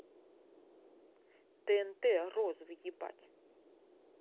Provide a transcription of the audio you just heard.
тнт розовый ебать